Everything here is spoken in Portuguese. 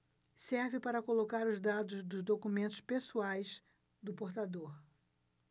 serve para colocar os dados dos documentos pessoais do portador